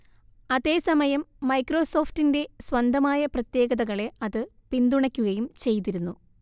അതേസമയം മൈക്രോസോഫ്റ്റിന്റെ സ്വന്തമായ പ്രത്യേകതകളെ അത് പിന്തുണക്കുകയും ചെയ്തിരുന്നു